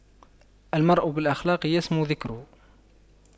المرء بالأخلاق يسمو ذكره